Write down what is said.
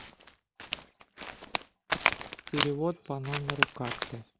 перевод по номеру карты